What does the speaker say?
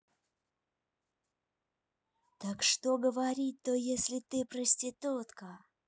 так что говорить то если ты проститутка